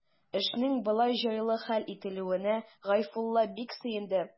Эшнең болай җайлы хәл ителүенә Гайфулла бик сөенде.